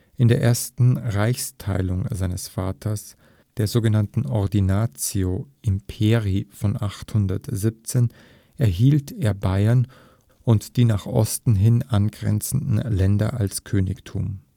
In der ersten Reichsteilung seines Vaters, der sogenannten Ordinatio imperii von 817, erhielt er Bayern und die nach Osten hin angrenzenden Länder als Königtum